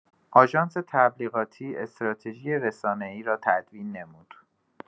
آژانس تبلیغاتی استراتژی رسانه‌ای را تدوین نمود.